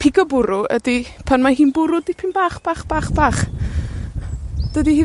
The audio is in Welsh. Pigo bwrw ydi pan mae hi'n bwrw dipyn bach, bach, bach, bach. Dydi hi